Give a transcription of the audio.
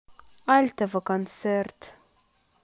альтова концерт